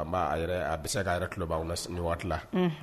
An baa a yɛrɛ a be se ka kɛ a yɛrɛ tulob'anw na s ni waati la unhun